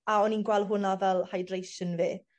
a o'n i'n gwel' hwnna fel hydration fi.